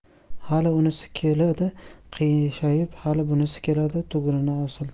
hali unisi keladi qiyshayib hali bunisi keladi tugunini osiltirib